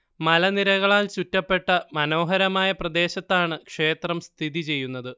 മലനിരകളാൽ ചുറ്റപ്പെട്ട മനോഹരമായ പ്രദേശത്താണ് ക്ഷേത്രം സ്ഥിതി ചെയ്യുന്നത്